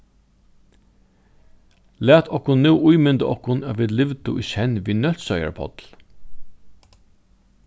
lat okkum nú ímynda okkum at vit livdu í senn við nólsoyar páll